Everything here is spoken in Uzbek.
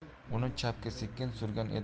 uni chapga sekin surgan edi